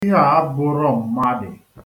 Ihe a abụghị mmadụ.